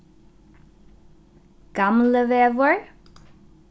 gamlivegur